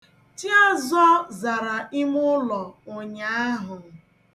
Chiazọ zara imụlọ ụnyaahụ.